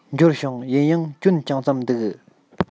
འབྱོར བྱུང ཡིན ཡང སྐྱོན ཅུང ཙམ འདུག